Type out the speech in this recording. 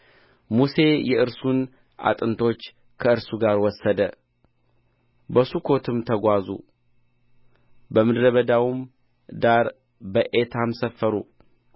ሙሴ የእርሱን አጥንቶች ከእርሱ ጋር ወሰደ ከሱኮትም ተጓዙ በምድረ በዳውም ዳር በኤታም ሰፈሩ